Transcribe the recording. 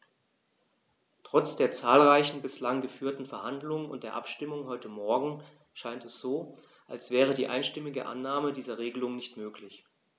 Trotz der zahlreichen bislang geführten Verhandlungen und der Abstimmung heute Morgen scheint es so, als wäre die einstimmige Annahme dieser Regelung nicht möglich.